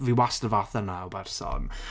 Fi wastad y fath yna o berson.